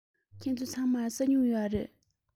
ཁྱེད ཚོ ཚང མར ས སྨྱུག ཡོད རེད